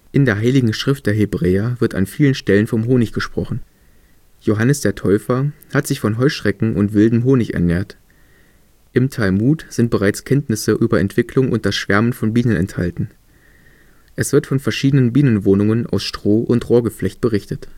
In der heiligen Schrift der Hebräer wird an vielen Stellen vom Honig gesprochen. Johannes der Täufer hat sich von Heuschrecken und wildem Honig ernährt. Im Talmud sind bereits Kenntnisse über Entwicklung und das Schwärmen von Bienen enthalten. Es wird von verschiedenen Bienenwohnungen aus Stroh und Rohrgeflecht berichtet